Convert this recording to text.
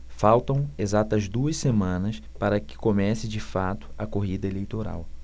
faltam exatas duas semanas para que comece de fato a corrida eleitoral